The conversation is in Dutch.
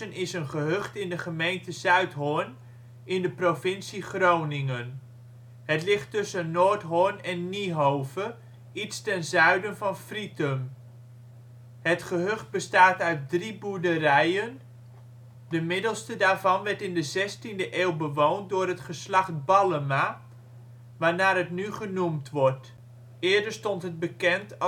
gehucht in de gemeente Zuidhorn in de provincie Groningen (Nederland). Het ligt tussen Noordhorn en Niehove, iets ten zuid-westen van Frytum. Het gehucht bestaat uit drie boerderijen. De middelste daarvan werd in de zestiende eeuw bewoond door het geslacht Ballema, waarnaar het nu genoemd wordt. Eerder stond het bekend